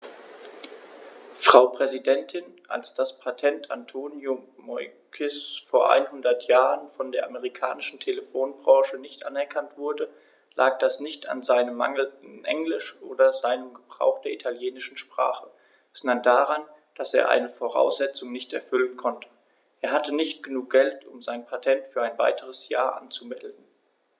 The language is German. Frau Präsidentin, als das Patent Antonio Meuccis vor einhundert Jahren von der amerikanischen Telefonbranche nicht anerkannt wurde, lag das nicht an seinem mangelnden Englisch oder seinem Gebrauch der italienischen Sprache, sondern daran, dass er eine Voraussetzung nicht erfüllen konnte: Er hatte nicht genug Geld, um sein Patent für ein weiteres Jahr anzumelden.